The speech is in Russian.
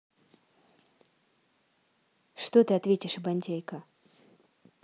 что ты ответишь ибантяйка